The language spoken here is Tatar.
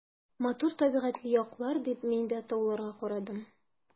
Матур табигатьле яклар, — дип мин дә тауларга карадым.